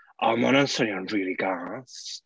O mae hwnna'n swnio'n rili gas.